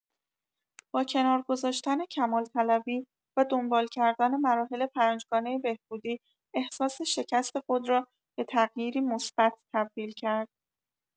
با کنارگذاشتن کمال‌طلبی و دنبال‌کردن مراحل پنج‌گانه بهبودی، احساس شکست خود را به تغییری مثبت تبدیل کرد.